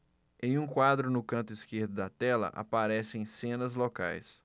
em um quadro no canto esquerdo da tela aparecem cenas locais